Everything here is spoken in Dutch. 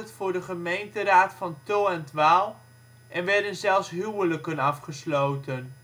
voor de gemeenteraad van Tull en ' t Waal en werden zelfs huwelijken afgesloten